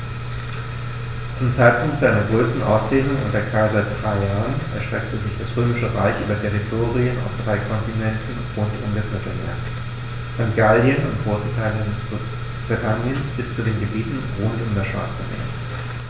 Zum Zeitpunkt seiner größten Ausdehnung unter Kaiser Trajan erstreckte sich das Römische Reich über Territorien auf drei Kontinenten rund um das Mittelmeer: Von Gallien und großen Teilen Britanniens bis zu den Gebieten rund um das Schwarze Meer.